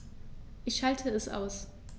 Ich schalte es aus.